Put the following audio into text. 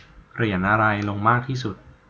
เหรียญอะไรลงมากที่สุด